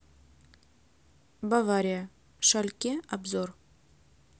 бавария шальке обзор